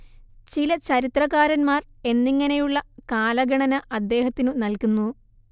ചില ചരിത്രകാരന്മാർ എന്നിങ്ങനെയുള്ള കാലഗണന അദ്ദേഹത്തിനു നല്കുന്നു